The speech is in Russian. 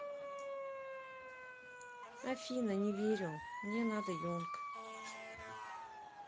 афина не верю мне надо young